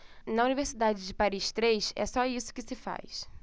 na universidade de paris três é só isso que se faz